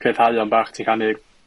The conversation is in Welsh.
rhyddhau o'n bach, ti'n rhannu'r